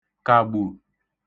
kàgbù